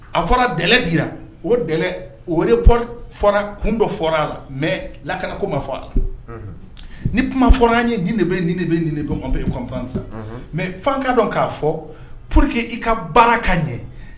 A fɔra dira o ore paul fɔra kun dɔ fɔra a la mɛ lakanako ma fɔ a la ni kuma fɔra ye de bɛ bɛ ninɔnbe kɔn sa mɛ fanka dɔ k'a fɔ pour que i ka baara ka ɲɛ